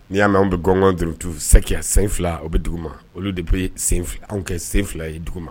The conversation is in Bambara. Ni y'a mɛ anw be gɔnŋɔn duruntu c'est que a sen 2 o bi duguma olu de be sen f anw kɛ sen 2 ye duguma